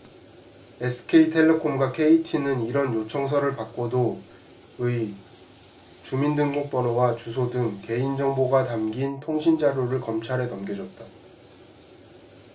에스케이텔레콤과 케이티는 이런 요청서를 받고도 의 주민등록번호와 주소 등 개인정보가 담긴 통신자료를 검찰에 넘겨줬다